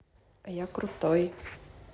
а я крутой